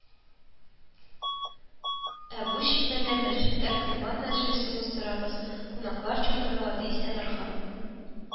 “ә бу шимбәдә мәчеттә корбан мәҗлесе уздырабыз, кунаклар чакырыла”, ди самәрхан